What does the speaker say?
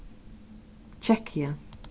kekkia